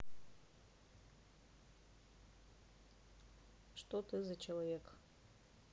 что ты за человек